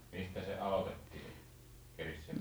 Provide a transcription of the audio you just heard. mistä se aloitettiin se keritseminen